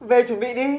về chuẩn bị đi